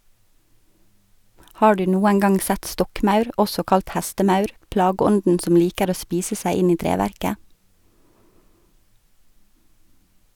Har du noen gang sett stokkmaur , også kalt hestemaur , plageånden som liker å spise seg inn i treverket?